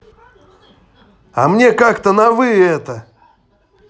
а мне как то на вы это